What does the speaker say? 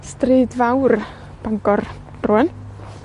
stryd fawr Bangor, rŵan.